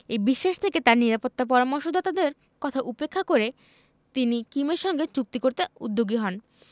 এই বিশ্বাস থেকে তাঁর নিরাপত্তা পরামর্শদাতাদের কথা উপেক্ষা করে তিনি কিমের সঙ্গে চুক্তি করতে উদ্যোগী হন